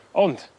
Ond